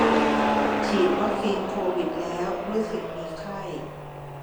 ฉีดวัคซีนโควิดแล้วรู้สึกมีไข้